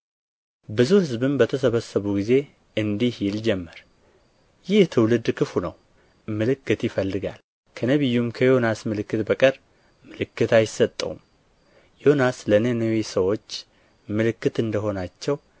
ብዙ ሕዝብም በተሰበሰቡ ጊዜ እንዲህ ይል ጀመር ይህ ትውልድ ክፉ ነው ምልክት ይፈልጋል ከነቢዩም ከዮናስ ምልክት በቀር ምልክት አይሰጠውም ዮናስ ለነነዌ ሰዎች ምልክት እንደ ሆናቸው